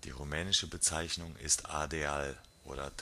rumänische Bezeichnung ist Ardeal oder